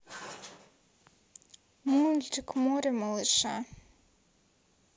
мультик море малыша